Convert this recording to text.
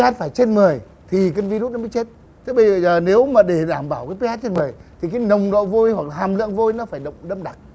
hát phải trên mười thì con vi rút nó mới chết thế bây giờ nếu mà để đảm bảo cái pê hát trên mười thì cái nồng độ vôi hoặc hàm lượng vôi nó phải đậm đặc